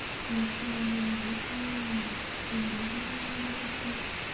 Яхшы әңгәмәдәш булуыңны, тыңлый белүеңне дә күрсәт.